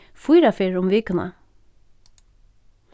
fýra ferðir um vikuna